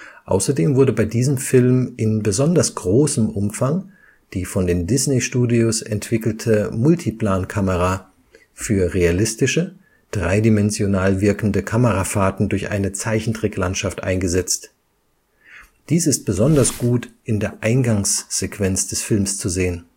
Außerdem wurde bei diesem Film in besonders großem Umfang die von den Disney-Studios entwickelte Multiplan-Kamera für realistische, dreidimensional wirkende Kamerafahrten durch eine Zeichentricklandschaft eingesetzt. Dies ist besonders gut in der Eingangssequenz des Films zu sehen